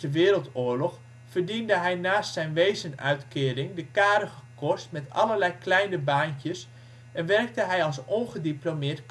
Wereldoorlog verdiende hij naast zijn wezenuitkering de (karige) kost met allerlei kleine baantjes en werkte hij als ongediplomeerd